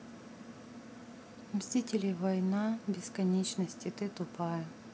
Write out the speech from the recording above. мстители война бесконечности ты тупая